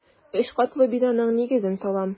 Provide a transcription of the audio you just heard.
Өч катлы бинаның нигезен салам.